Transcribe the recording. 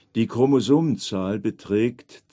Die Chromosomenzahl beträgt